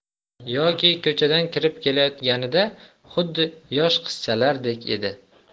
yoki ko'chadan kirib kelayotganida xuddi yosh qizchalardek edi